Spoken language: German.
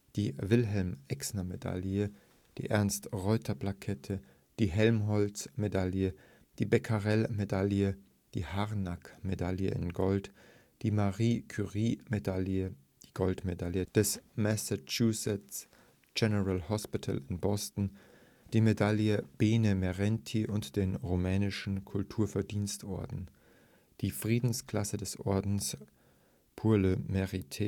die Wilhelm-Exner-Medaille, die Ernst-Reuter-Plakette, die Helmholtz-Medaille, die Becquerel-Medaille, die Harnack-Medaille in Gold, die Marie-Curie-Medaille, die Goldmedaille des Massachusetts General Hospital in Boston, die Medaille bene merenti und den rumänischen Kultur-Verdienst-Orden, die Friedensklasse des Ordens Pour le Mérite